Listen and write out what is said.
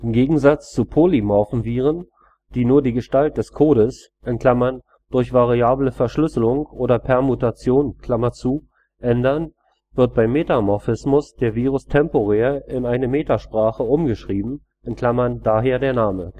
Gegensatz zu polymorphen Viren, die nur die Gestalt des Codes (durch variable Verschlüsselung oder Permutation) ändern, wird bei Metamorphismus der Virus temporär in eine Metasprache umgeschrieben (daher der Name